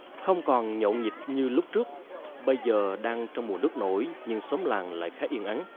không còn nhộn nhịp như lúc trước bây giờ đang trong mùa nước nổi nhưng xóm làng lại khá yên ắng